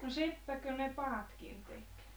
no seppäkö ne padatkin teki